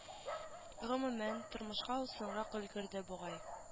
Гомумән тормышка ул соңрак өлгерде бугай